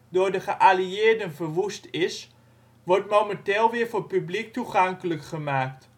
door de geallieerden verwoest is wordt momenteel weer voor publiek toegankelijk gemaakt